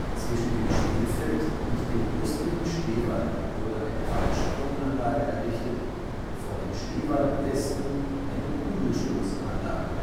Zwischen dem Spielfeld und dem östlichen Stehwall wurde eine Weitsprunganlage errichtet, vor dem Stehwall im Westen eine Kugelstoßanlage